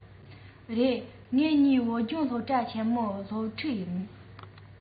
རེད ང གཉིས བོད ལྗོངས སློབ གྲ ཆེན མོའི སློབ ཕྲུག ཡིན